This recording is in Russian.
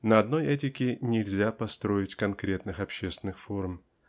На одной этике нельзя построить конкретных общественных форм.